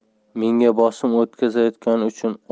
menga bosim o'tkazayotgani uchun